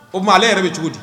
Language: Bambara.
Kɔmi ale yɛrɛ bɛ cogo di